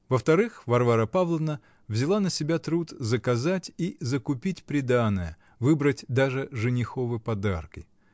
Во-вторых, Варвара Павловна взяла на себя труд заказать и закупить приданое, выбрать даже жениховы подарки.